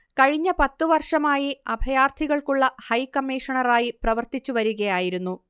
കഴിഞ്ഞ പത്തുവർഷമായി അഭയാർഥികൾക്കുളള ഹൈക്കമ്മീഷണറായി പ്രവർത്തിച്ച് വരികയായിരുന്നു